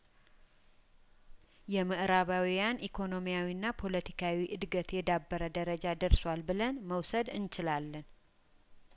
የምእራባዊያን ኢኮኖሚያዊና ፖለቲካዊ እድገት የዳበረ ደረጃ ደርሷል ብለን መውሰድ እንችላለን